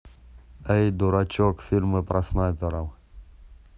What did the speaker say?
эй дурачок фильмы про снайперов